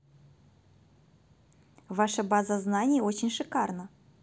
ваша база знаний очень шикарно